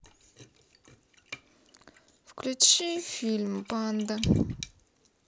включи фильм панда